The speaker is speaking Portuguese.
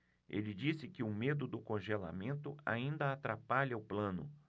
ele disse que o medo do congelamento ainda atrapalha o plano